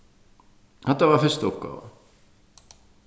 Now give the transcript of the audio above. hatta var fyrsta uppgávan